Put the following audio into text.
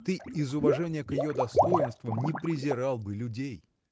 ты из уважения к ее достоинствам не презирал бы людей.